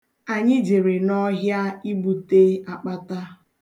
Anyị jere n'ọhịa igbute akpata.